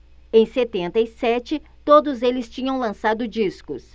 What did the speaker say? em setenta e sete todos eles tinham lançado discos